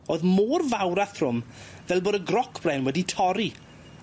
O'dd mor fawr a thrwm fel bod y grocbren wedi torri.